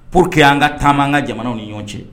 Pour que y anan ka taama an ka jamanaw ni ɲɔgɔn cɛ